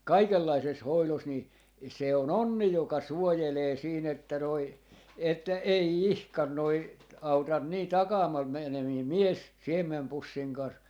kaikenlaisessa hoidossa niin se on onni joka suojelee siinä että noin että ei ihan noin auta niin -- mies siemenpussin kanssa